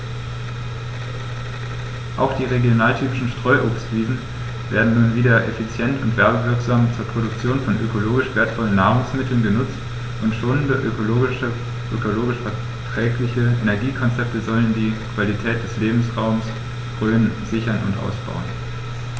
Auch die regionaltypischen Streuobstwiesen werden nun wieder effizient und werbewirksam zur Produktion von ökologisch wertvollen Nahrungsmitteln genutzt, und schonende, ökologisch verträgliche Energiekonzepte sollen die Qualität des Lebensraumes Rhön sichern und ausbauen.